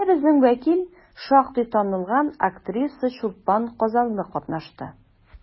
Биредә безнең вәкил, шактый танылган актриса Чулпан Казанлы катнашты.